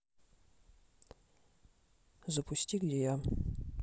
запусти где я